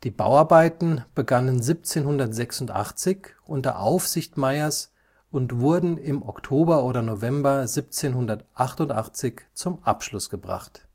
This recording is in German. Bauarbeiten begannen 1786 unter Aufsicht Mayers und wurden im Oktober oder November 1788 zum Abschluss gebracht